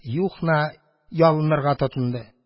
Юхна ялынырга тотынды: